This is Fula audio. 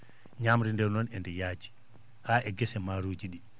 ñaamre nde noon e nde yaaji haa gese maaroji ɗi